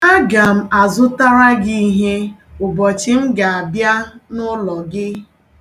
Aga m azụtara gị ihe ụbọchị m ga-abịa n'ụlọ gị.